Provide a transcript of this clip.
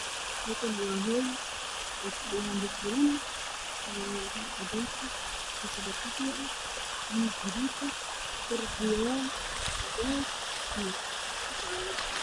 Meshan wa hool ay jogan dad badan wana cadays fadhi khaxwi ah miis Gaduud ah dhar biyon cadays iyo jale